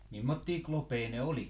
mimmoisia kloppeja ne oli